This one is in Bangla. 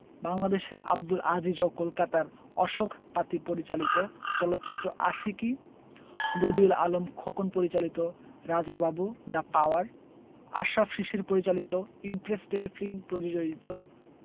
বাংলাদেশের আবদুল আজিজ ও কলকাতার অশোক পাতি পরিচালিত চলচ্চিত্র আশিকী বদিউল আলম খোকন পরিচালিত রাজা বাবু দ্যা পাওয়ার আশরাফ শিশির পরিচালিত ইমপ্রেস টেলিফিল্ম প্রযোইজিত